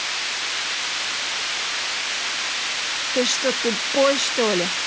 ты что тупой что ли